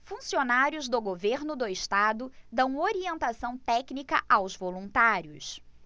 funcionários do governo do estado dão orientação técnica aos voluntários